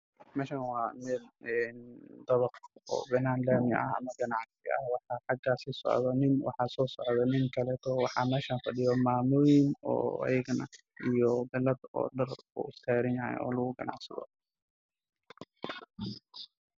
Meeshaan waa wadda laami ah waxaa ku yaala daba qaad u dheer iyo tukaamo kale niman ayaa maraayo